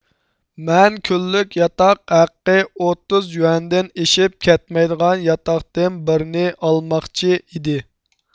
مەن كۈنلۈك ياتاق ھەققى ئوتتۇز يۈەندىن ئېشىپ كەتمەيدىغان ياتاقتىن بىرنى ئالماقچى ئىدى